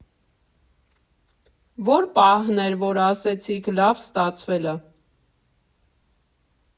Ո՞ր պահն էր, որ ասեցիք՝ լավ, ստացվել ա։